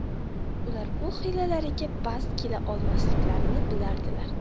ular bu hiylalarga bas kela olmasliklarini biladilar